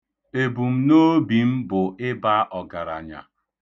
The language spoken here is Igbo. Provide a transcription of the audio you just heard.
Ebumnobi m bụ ịba ọgaranya.